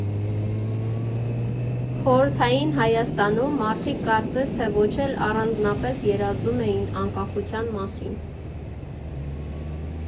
Խորհրդային Հայաստանում մարդիկ կարծես թե ոչ էլ առանձնապես երազում էին անկախության մասին։